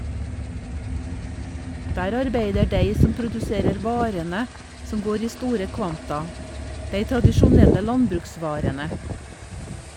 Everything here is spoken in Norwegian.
Der arbeider dei som produserer varene som går i store kvanta, dei tradisjonelle landbruksvarene.